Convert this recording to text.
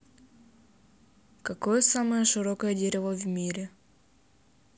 какое самое широкое дерево в мире